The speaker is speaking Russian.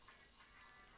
выбор ассистента